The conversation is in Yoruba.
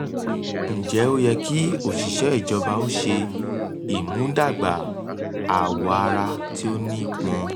Ǹjẹ́ ó yẹ kí òṣìṣẹ́ ìjọba ó ṣe ìmúdàgbà àwọ̀-ara tí ó ní ipọn?